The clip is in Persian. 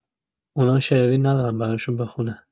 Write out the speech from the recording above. اونا شروین ندارن براشون بخونه